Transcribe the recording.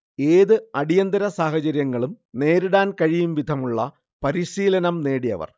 ഏത് അടിയന്തര സാഹചര്യങ്ങളും നേരിടാൻ കഴിയുംവിധമുള്ള പരിശീലനം നേടിയവർ